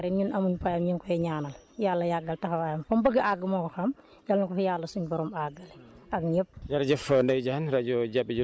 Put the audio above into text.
Sadio mi nga xam ne moo fi taxawal ANCAR it ñun amuñu fayam ñu ngi koy ñaanal yàlla yàggal taxawaayam fum bëgg a àgg moo ko xam yal na ko fi yàlla suñ borom àggal ak ñëpp